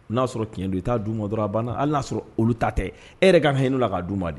N'a sɔrɔ cɛnɲɛndo don i t taa duuma dɔrɔn a banna ala y'a sɔrɔ olu ta tɛ e yɛrɛ ka hinɛ n' k kaa d ma di